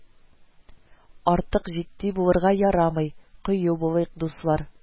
Артык җитди булырга ярамый, кыю булыйк, дуслар